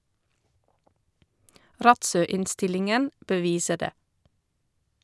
Rattsø-innstillingen beviser det.